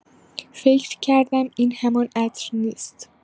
فکر کردم این همان عطر نیست.